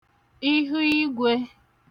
ihuigwē